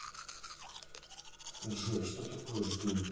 джой что такое ждун